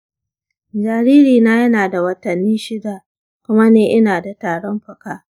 jaririna yana da watanni shida kuma ni ina da tarin fuka.